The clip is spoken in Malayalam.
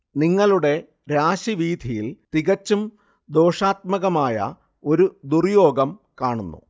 നിങ്ങളുടെ രാശിവീഥിയിൽ തികച്ചും ദോഷാത്മകമായ ഒരു ദുർയോഗം കാണുന്നു